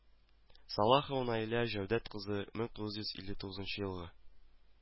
Салахова Наилә Җәүдәт кызы, мең тугыз йөз илле тугызынчы елгы